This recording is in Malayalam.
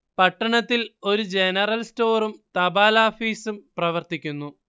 പട്ടണത്തിൽ ഒരു ജനറൽ സ്റ്റോറും തപാലാഫീസും പ്രവർത്തിക്കുന്നു